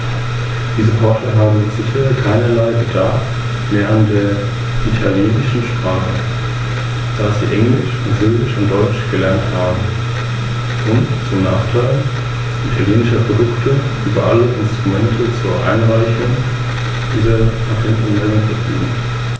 Der Geltungsbereich der Verordnung umfasst Touren ab 250 Kilometern, Busreisende haben nun ein Recht auf Schadensersatz bei Annullierung von Reisen, Überbuchung oder bei Verspätung von mehr als zwei Stunden.